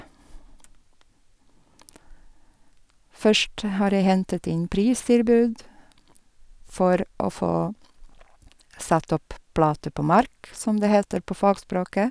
Først har jeg hentet inn pristilbud for å få satt opp plate på mark, som det heter på fagspråket.